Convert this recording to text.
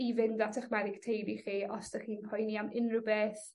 i fynd at 'ych meddyg teulu chi os 'dych chi'n poeni am unryw beth